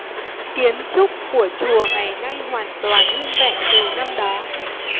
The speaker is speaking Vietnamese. kiến trúc của chùa ngày nay hoàn toàn nguyên vẹn từ năm đó